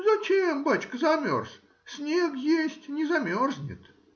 — Зачем, бачка, замерз: снег есть — не замерзнет.